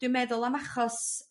dwi'n meddwl am achos